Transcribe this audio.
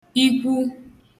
ikwu